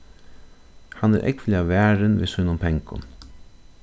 hann er ógvuliga varin við sínum pengum